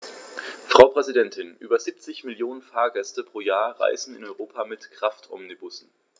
Frau Präsidentin, über 70 Millionen Fahrgäste pro Jahr reisen in Europa mit Kraftomnibussen.